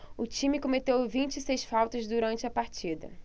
o time cometeu vinte e seis faltas durante a partida